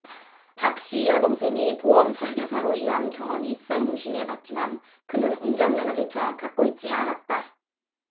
박씨 여동생이 보험설계사로 일한 경험이 있어 의심해 봤지만 그는 운전면허조차 갖고 있지 않았다